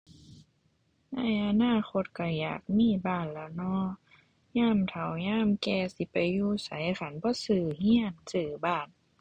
ในอนาคตก็อยากมีบ้านล่ะเนาะ ยามเฒ่ายามแก่สิไปอยู่ไสคันบ่ซื้อก็ซื้อบ้าน